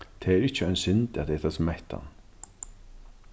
tað er ikki ein synd at eta seg mettan